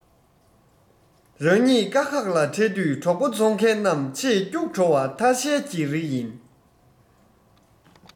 རང ཉིད དཀའ ཁག ལ འཕྲད དུས གྲོགས པོ འཚོང མཁན རྣམས ཆེས སྐྱུག བྲོ བ ཐ ཤལ གྱི རིགས ཡིན